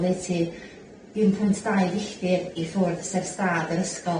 oddeutu un pwnt dau filltir i ffwrdd sef stâd yr ysgol.